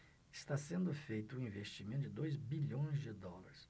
está sendo feito um investimento de dois bilhões de dólares